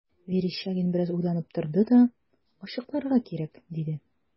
Верещагин бераз уйланып торды да: – Ачыкларга кирәк,– диде.